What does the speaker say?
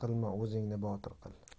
o'zingni botir qil